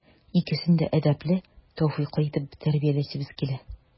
Икесен дә әдәпле, тәүфыйклы итеп тәрбиялисебез килә.